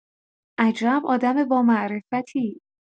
عجب آدم بامعرفتی!